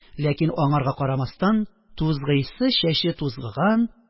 Ләкин аңарга карамастан, тузгыйсы чәче тузгыган